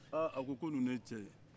ha a ko ko ninnu ye cɛ ye